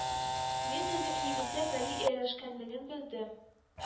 «мин сезнең өеңезгә пәри ияләшкәнен белдем